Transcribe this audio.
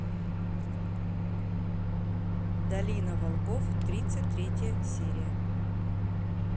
долина волков тридцать третья серия